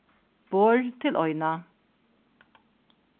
borð til eina